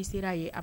I' sera ye a?